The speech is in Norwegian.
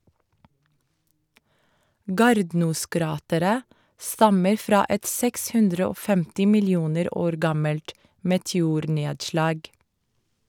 Gardnoskrateret stammer fra et 650 millioner år gammelt meteornedslag.